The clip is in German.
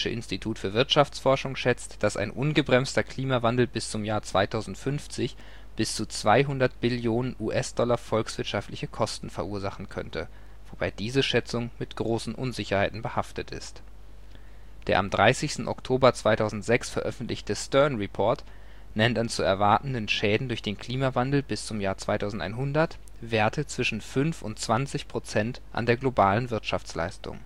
Institut für Wirtschaftsforschung schätzt, dass ein ungebremster Klimawandel bis zum Jahr 2050 bis zu 200 Billionen US-Dollar volkswirtschaftliche Kosten verursachen könnte (wobei diese Schätzung mit großen Unsicherheiten behaftet ist). Der am 30. Oktober 2006 veröffentlichte Stern-Report nennt an zu erwartenden Schäden durch den Klimawandel bis zum Jahr 2100 Werte zwischen 5-20 % an der globalen Wirtschaftsleistung